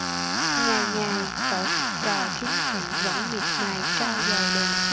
ngày ngày cậu học trò khiếm thị vẫn miệt mài trau dồi đèn sách